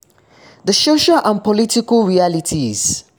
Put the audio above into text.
The Social and Political Realities